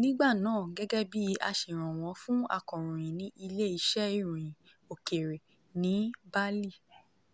nígbà náà gẹ́gẹ́ bíi aṣèrànwọ́ fún akọ̀ròyìn ní ilé-iṣẹ́ ìròyìn òkèèrè ní Bali.